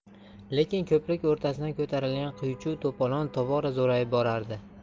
lekin ko'prik o'rtasidan ko'tarilgan qiychuv to'polon tobora zo'rayib borardi